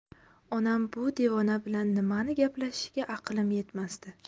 onam bu devona bilan nimani gaplashishiga aqlim yetmasdi